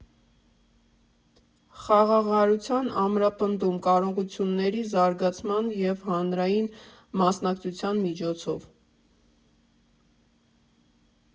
Խաղաղարարության ամրապնդում կարողությունների զարգացման և հանրային մասնակցության միջոցով։